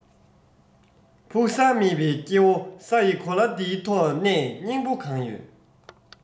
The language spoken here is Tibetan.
ཕུགས བསམ མེད པའི སྐྱེ བོ ས ཡི གོ ལ འདིའི ཐོག གནས སྙིང པོ གང ཡོད